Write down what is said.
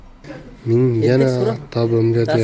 men yana tavbamga